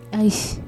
Ayi